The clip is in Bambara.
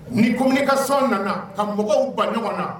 Ni communication nana ka mɔgɔw ba ɲɔgɔn na